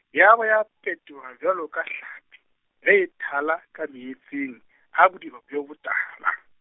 ya ba ya phetoga bjalo ka hlapi, ge e thala ka meetseng, a bodiba bjo botala.